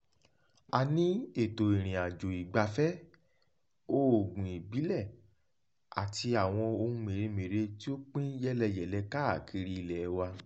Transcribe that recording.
A ní ètò ìrìnàjò ìgbafẹ́, òògùn ìbílẹ̀ àti àwọn ohun mèremère tí ó pín yẹ́lẹyẹ̀lẹ káàkiri ilẹ̀ẹ wa.